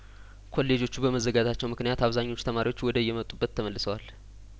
ኮሌጆቹ በመዘጋታቸው ምክንያት አብዛኞቹ ተማሪዎች ወደ የመጡበት ተመልሰዋል